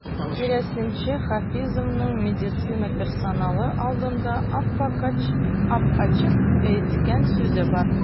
Киресенчә, Хафизовның медицина персоналы алдында ап-ачык әйткән сүзе бар.